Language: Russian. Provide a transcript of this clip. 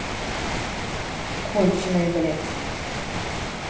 конченная блять